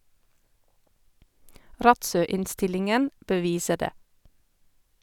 Rattsø-innstillingen beviser det.